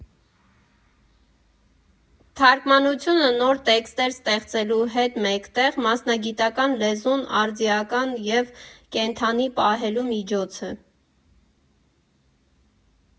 Թարգմանությունը նոր տեքստեր ստեղծելու հետ մեկտեղ մասնագիտական լեզուն արդիական և կենդանի պահելու միջոց է։